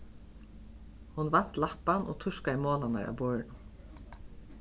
hon vant lappan og turkaði molarnar av borðinum